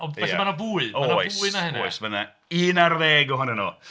Ond felly mae 'na fwy... Oes... Mae 'na fwy 'na hynna?... Oes, mae 'na un ar ddeg ohona nhw.